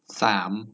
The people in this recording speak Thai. สาม